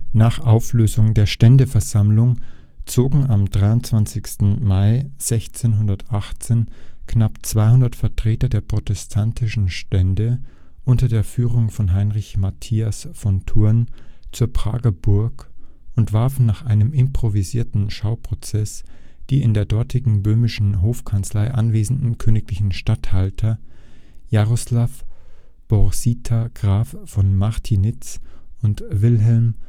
Nach Auflösung der Ständeversammlung zogen am 23. Mai 1618 knapp 200 Vertreter der protestantischen Stände unter der Führung von Heinrich Matthias von Thurn zur Prager Burg und warfen nach einem improvisierten Schauprozess die in der dortigen böhmischen Hofkanzlei anwesenden königlichen Statthalter Jaroslav Borsita Graf von Martinitz und Wilhelm